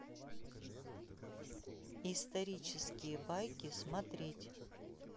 исторические байки смотреть